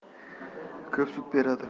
ko'p sut beradi